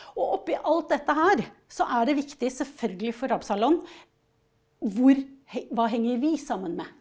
og oppi alt dette her så er det viktig selvfølgelig for Absalon hvor hva henger vi sammen med?